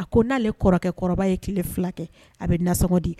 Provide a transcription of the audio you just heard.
A ko n'ale kɔrɔkɛ kɔrɔ ye tile fila kɛ a bɛ nasɔn di